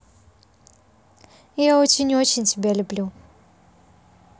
я очень очень тебя люблю